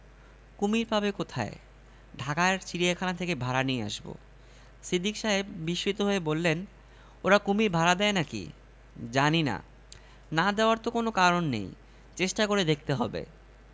দ্বিতীয় শ্রেণী সপ্তম স্থান একজন ছাত্রকে নিযুক্ত করেছি তার নাম আবুল কালাম বেতন মাসিক চার হাজার এই সঙ্গে বিপদ ভাতা দুহাজার